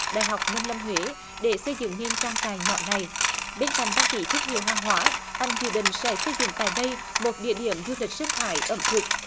đại học nông lâm huế để xây dựng nên trang trại nhỏ này bên cạnh đăng ký thương hiệu hàng hóa anh dự định sẽ xây dựng tại đây một địa điểm du lịch sinh thái ẩm thực